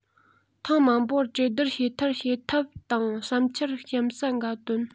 ཐེངས མང པོར གྲོས བསྡུར བྱས མཐར བྱེད ཐབས དང བསམ འཆར གཤམ གསལ འགའ བཏོན